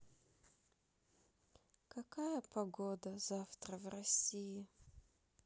какая погода завтра в россии